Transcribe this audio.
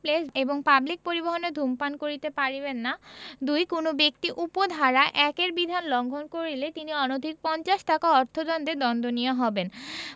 place এবং public পরিবহণে ধূমপান করিতে পারিবেন না ২ কোন ব্যক্তি উপ ধারা ১ এর বিধান লংঘন করিলে তিনি অনধিক পঞ্চাশ টাকা অর্থদন্ডে দন্ডনীয় হবেন